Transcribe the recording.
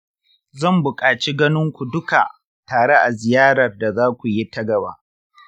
zan bukaci ganin ku duka tare a ziyarar da za ku yi ta gaba.